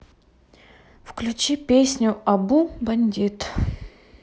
включи песню абу бандит